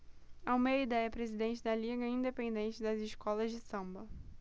almeida é presidente da liga independente das escolas de samba